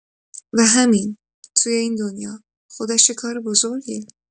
و همین، توی این دنیا، خودش یه کار بزرگه.